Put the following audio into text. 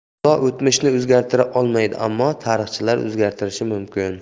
xudo o'tmishni o'zgartira olmaydi ammo tarixchilar o'zgartirishi mumkin